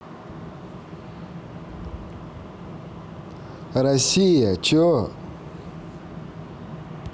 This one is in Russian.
россия че